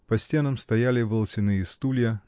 по стенам стояли волосяные стулья